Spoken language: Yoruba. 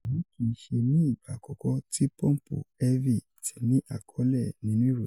Eyi kiiṣe ni igba akọkọ ti pọmpu Elvie ti ni akọle nínú iroyin.